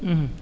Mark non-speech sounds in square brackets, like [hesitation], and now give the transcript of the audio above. [hesitation] [hesitation]